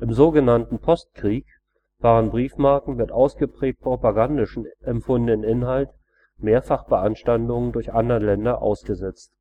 sogenannten Postkrieg waren Briefmarken mit ausgeprägt propagandistisch empfundenen Inhalt mehrfach Beanstandungen durch andere Länder ausgesetzt